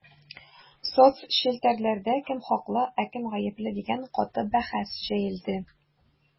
Соцчелтәрләрдә кем хаклы, ә кем гапле дигән каты бәхәс җәелде.